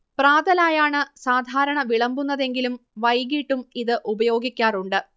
പ്രാതലായാണ് സാധാരണ വിളമ്പുന്നതെങ്കിലും വൈകീട്ടും ഇത് ഉപയോഗിക്കാറുണ്ട്